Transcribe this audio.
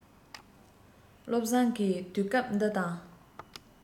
བློ བཟང གིས དུས སྐབས འདི དང